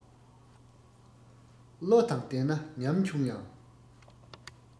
བློ དང ལྡན ན ཉམ ཆུང ཡང